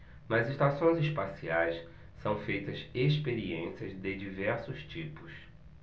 nas estações espaciais são feitas experiências de diversos tipos